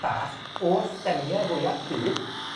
bach o'r stemie fwya cryf,